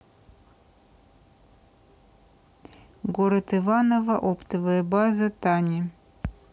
город иваново оптовая база тани